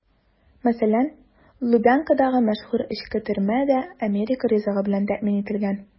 Мәсәлән, Лубянкадагы мәшһүр эчке төрмә дә америка ризыгы белән тәэмин ителгән.